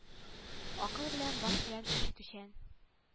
Акыл белән баш белән эш итүчән